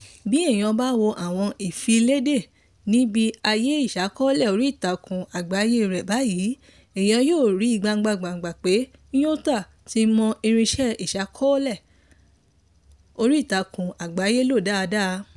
Bí èèyàn bá wo àwọn ìfiléde níbi àyè ìṣàkọọ́lẹ̀ oríìtakùn àgbáyé rẹ̀ báyìí, èèyàn yóò ríi gbangba gbàǹgbà pé Nyota ti mọ irinṣẹ́ ìṣàkọọ́lẹ̀ oríìtakùn àgbáyé lò dáadáa.